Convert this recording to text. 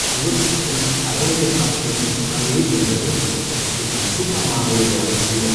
nutzt in einigen Abschnitten Planeten-Levels, die an Super Mario Galaxy